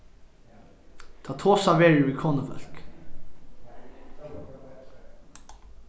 tá tosað verður við konufólk